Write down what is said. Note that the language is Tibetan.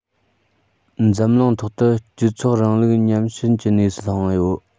འཛམ གླིང ཐོག ཏུ སྤྱི ཚོགས རིང ལུགས ཉམས ཞན གྱི གནས སུ ལྷུང ཡོད